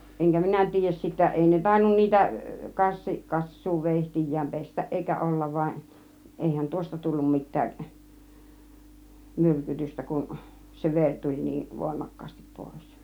enkä minä tiedä sitten ei ne tainnut niitä -- kassuuveitsiään pestä eikä olla vain eihän tuosta tullut mitään myrkytystä kun se veri tuli niin voimakkaasti pois